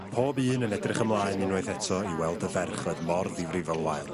Pob un yn edrych ymlaen unwaith eto i weld y ferch oedd mor ddifrifol wael.